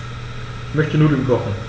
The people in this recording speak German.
Ich möchte Nudeln kochen.